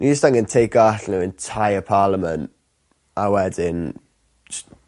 Ni jyst angen taco allan yr entire parliament a wedyn js